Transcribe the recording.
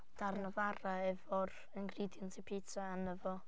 Darn o fara efo'r ingredients y pitsa arno fo...